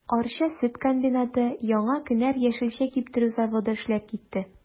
Арча сөт комбинаты, Яңа кенәр яшелчә киптерү заводы эшләп китте.